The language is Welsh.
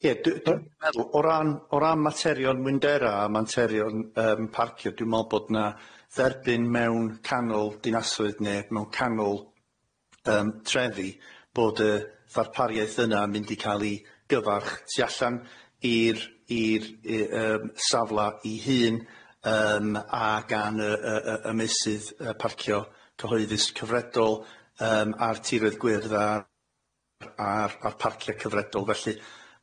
Ie dwi dwi'n meddwl o ran o ran materion mwyndera a materion yym parcio dwi me'wl bod na dderbyn mewn canol dinasoedd ne' mewn canol yym trefi bod yy ddarpariaeth yna'n mynd i ca'l i gyfarch tu allan i'r i'r yy yym safla'i hun yym a gan y y y y meysydd yy parcio cyhoeddus cyfredol yym a'r tiroedd gwyrdd a a'r a'r parcia cyfredol felly.